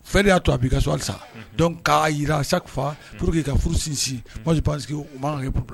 Fɛ de y'a to a b'i ka swa sa dɔn k'a jira safa pur que'i ka furu sinsin psi psi u b' kan kɛ puruur la